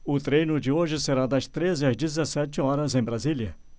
o treino de hoje será das treze às dezessete horas em brasília